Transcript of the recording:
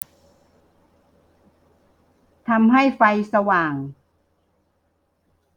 ทำให้ไฟสว่าง